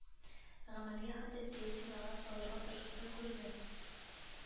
Гамәлгә хәтта сәяси мәгънә салырга тырышу да күренеп